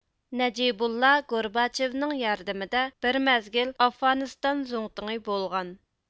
نەجىبۇللا گورباچېۋنىڭ ياردىمىدە بىر مەزگىل ئافغانىستان زۇڭتۇڭى بولغان